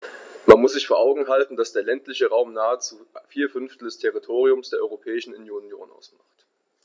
Man muss sich vor Augen halten, dass der ländliche Raum nahezu vier Fünftel des Territoriums der Europäischen Union ausmacht.